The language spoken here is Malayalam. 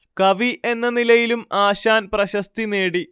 കവി എന്ന നിലയിലും ആശാൻ പ്രശസ്തി നേടി